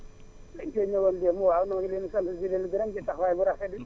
dañu fee ñëwoon démb waa ñu ngi leen di sant di leen gërëm seen taxawaay bi rafet na